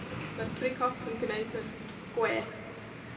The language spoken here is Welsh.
ma'r pry cop yn gneud yr gwe.